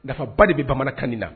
Nafaba de bɛ bamanankan na